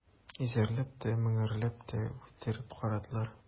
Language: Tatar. Йөзәрләп тә, меңәрләп тә үтереп карадылар.